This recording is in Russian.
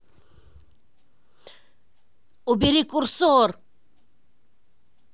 убери курсор